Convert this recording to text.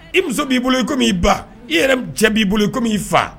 I muso b'i bolo i komi'i ba i yɛrɛ cɛ b'i bolo i komi'i faa